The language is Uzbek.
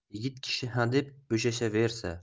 yigit kishi hadeb bo'shashaversa